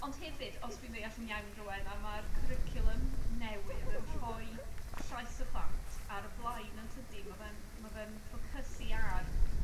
Ond hefyd os dwi'n ddeall yn iawn rwan a ma'r cwricwlwm newydd yn rhoi llais y plant ar y blaen yntydy? Ma' fe'n ma' fe'n ffocysu ar